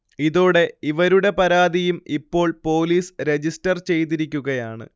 ഇതോടെ ഇവരുടെ പരാതിയും ഇപ്പോൾ പോലീസ് രജിസ്റ്റർ ചെയ്തിരിക്കുകയാണ്